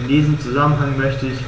In diesem Zusammenhang möchte ich